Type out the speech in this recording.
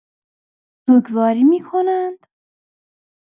سوگواری می‌کنند؟!